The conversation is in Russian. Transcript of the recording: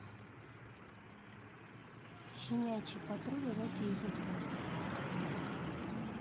щенячий патруль рокки и его брат